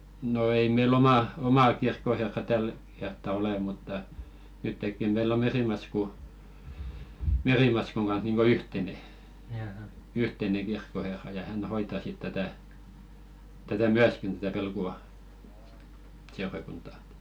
no ei meillä omaa omaa kirkkoherraa tällä kertaa ole mutta nytkin meillä on Merimaskun Merimaskun kanssa niin kuin yhteinen yhteinen kirkkoherra ja hän hoitaa sitten tätä tätä myöskin tätä Velkuan seurakuntaa